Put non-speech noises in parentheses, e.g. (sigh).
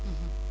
(hesitation) (hesitation)